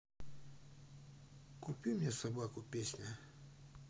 купи мне собаку песня